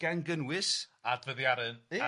gan gynnwys... Adfeddiannu... Ia...